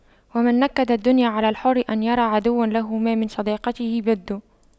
ومن نكد الدنيا على الحر أن يرى عدوا له ما من صداقته بد